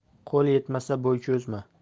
qo'l yetmasa bo'y cho'zma